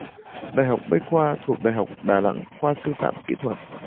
đại học bách khoa thuộc đại học đà nẵng khoa sư phạm kỹ thuật